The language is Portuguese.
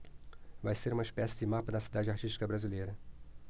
vai ser uma espécie de mapa da cidade artística brasileira